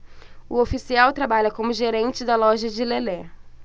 o oficial trabalha como gerente da loja de lelé